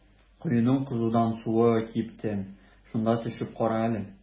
Коеның кызудан суы кипте, шунда төшеп кара әле.